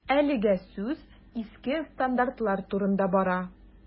Әлегә сүз иске стандартлар турында бара.